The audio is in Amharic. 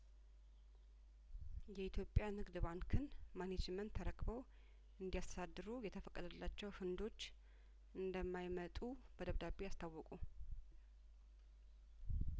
የኢትዮጵያ ንግድ ባንክን ማኔጅመንት ተረክበው እንዲያስተዳድሩ የተፈቀደላቸው ህንዶች እንደማይመጡ በደብዳቤ አስታወቁ